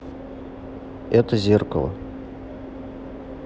это зеркало